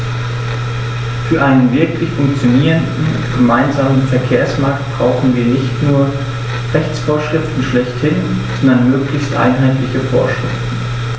Für einen wirklich funktionierenden gemeinsamen Verkehrsmarkt brauchen wir nicht nur Rechtsvorschriften schlechthin, sondern möglichst einheitliche Vorschriften.